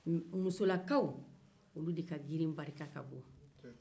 musolakaw de ka girin barika ka bon